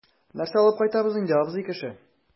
Нәрсә алып кайтабыз инде, абзый кеше?